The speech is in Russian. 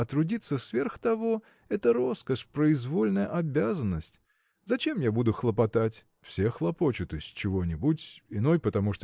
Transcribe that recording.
а трудиться сверх того – это роскошь произвольная обязанность. Зачем я буду хлопотать? – Все хлопочут из чего-нибудь иной потому